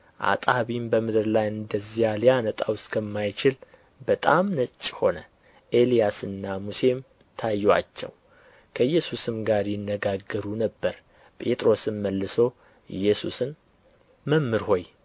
አጣቢም በምድር ላይ እንደዚያ ሊያነጣው እስከማይችል በጣም ነጭ ሆነ ኤልያስና ሙሴም ታዩአቸው ከኢየሱስም ጋር ይነጋገሩ ነበር ጴጥሮስም መልሶ ኢየሱስን መምህር ሆይ